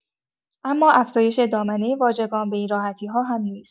اما افزایش دامنۀ واژگان به این راحتی‌ها هم نیست!